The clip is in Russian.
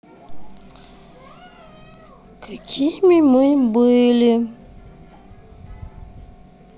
какими мы были